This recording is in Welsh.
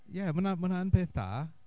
Ie, ma' hwnna ma' hwnna yn peth da.